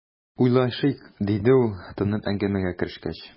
"уйлашыйк", - диде ул, тынып, әңгәмәгә керешкәч.